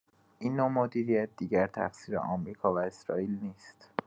این نوع مدیریت دیگر تقصیر آمریکا و اسرائیل نیست.